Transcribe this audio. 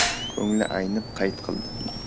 ko'ngli aynib qayt qildi